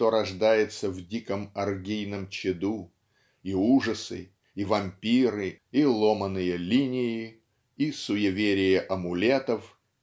что рождается в диком оргийном чаду и ужасы и вампиры и ломаные линии и суеверие амулетов